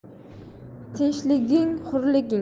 tinchliging hurliging